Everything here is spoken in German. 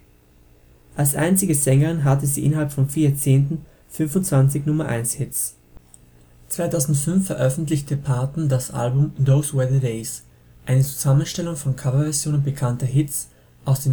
Als einzige Sängerin hatte sie innerhalb von vier Jahrzehnten 25 Nummer-1-Hits. 2005 veröffentlichte Parton das Album Those Were The Days, eine Zusammenstellung von Coverversionen bekannter Hits aus